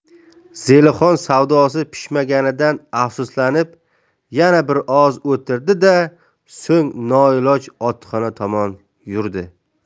zelixon savdosi pishmaganidan afsuslanib yana bir oz o'tirdi da so'ng noiloj otxona tomon yurdi